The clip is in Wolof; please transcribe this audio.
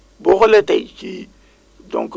donc ñun on travaille comme ça te gis ñañu si gis njëriñ quoi